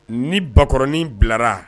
Ni bakɔrɔnin bilara